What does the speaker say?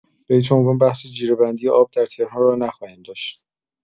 به‌هیچ‌عنوان بحث جیره‌بندی آب در تهران را نخواهیم داشت.